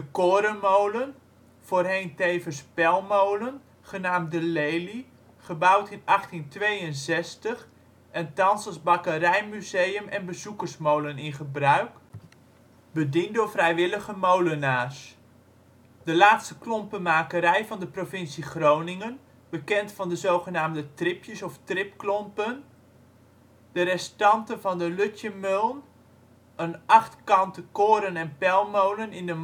korenmolen (voorheen tevens pelmolen) genaamd De Lelie, gebouwd in 1862 en thans als bakkerijmuseum en bezoekersmolen in gebruik, bediend door vrijwillige molenaars. De laatste klompenmakerij van de provincie Groningen te vinden, bekend van de zogenaamde tripjes of tripklompen De restanten van de Lutje Meuln, een achtkante koren - en pelmolen in de